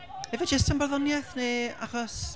Ife jyst am barddoniaeth? Neu... achos...